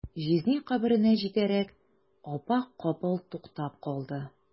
Җизни каберенә җитәрәк, апа капыл туктап калды.